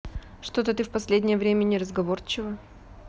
что то ты в последнее время не разговорчива